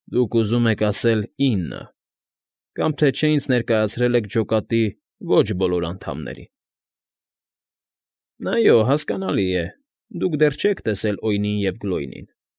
Դուք ուզում եք ասել «ինը» կամ թե չէ ինձ ներկայացրել եք ջոկատի ո՞չ բոլոր անդամներին։ ֊ Այո, հասկանալի է, դուք դեռ չեք տեսել Օյնին և Գլոյնին։